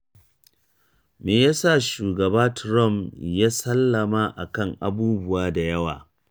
Me ya sa Shugaba Trump ya sallama akan abubuwa da yawa?